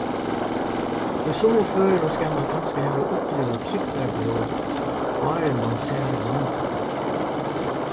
í summum førum skal mann kanska hava upplivað trygdarbrot áðrenn mann sær vandan